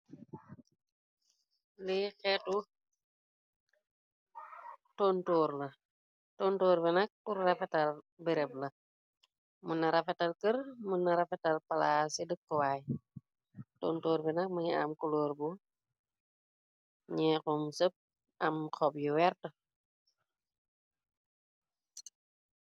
Li xeetu ontorla tontoor bi nak pur rafatal bereb la mën na rafatal kër mën na rafatal palaa ci dëkkowaay tontoor bi nag mëni am coloor bu ñeexum sëp am xob yu wert.